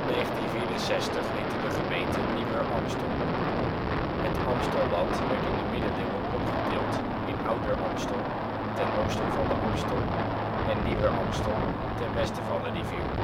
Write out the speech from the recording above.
1964 heette de gemeente Nieuwer-Amstel. Het Amstelland werd in de Middeleeuwen opgedeeld in Ouder-Amstel (ten oosten van de Amstel) en Nieuwer Amstel (ten westen van de rivier